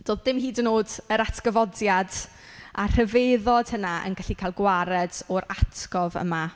Doedd dim hyd yn oed yr atgyfodiad a'r rhyfeddod hynna yn gallu cael gwared o'r atgof yma.